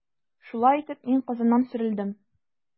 Шулай итеп, мин Казаннан сөрелдем.